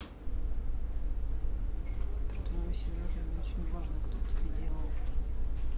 про твоего сережу мне очень важно кто тебе делал